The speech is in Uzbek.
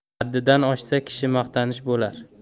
haddidan oshsa kishi maqtanish bo'lar ishi